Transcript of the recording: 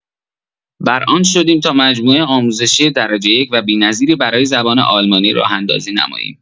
بر آن شدیم تا مجموعه آموزشی درجه یک و بی‌نظیری برای زبان آلمانی راه‌اندازی نماییم.